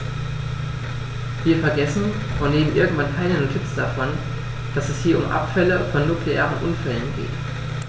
Wir vergessen, und nehmen irgendwie keine Notiz davon, dass es hier um Abfälle von nuklearen Unfällen geht.